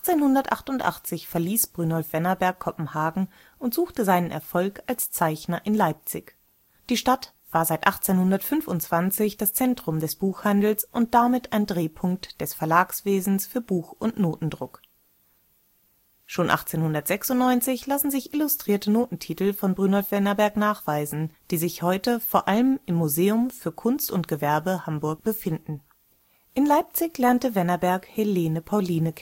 1888 verließ Brynolf Wennerberg Kopenhagen und suchte seinen Erfolg als Zeichner in Leipzig. Die Stadt war seit 1825 das Zentrum des Buchhandels und damit ein Drehpunkt des Verlagswesens für Buch - und Notendruck. Schon 1896 lassen sich illustrierte Notentitel von Brynolf Wennerberg nachweisen, die sich heute vor allem im Museum für Kunst und Gewerbe Hamburg befinden. In Leipzig lernte Wennerberg Helene Pauline